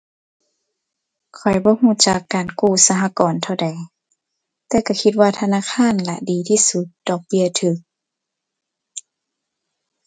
ข้อยบ่รู้จักการกู้สหกรณ์เท่าใด แต่รู้คิดว่าธนาคารแหละดีที่สุด ดอกเบี้ยรู้